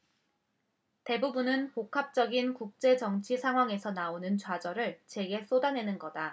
대부분은 복합적인 국제 정치 상황에서 나오는 좌절을 제게 쏟아내는 거다